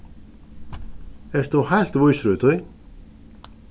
ert tú heilt vísur í tí